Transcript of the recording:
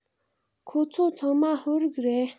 ཁོ ཚོ ཚང མ ཧོར རིགས རེད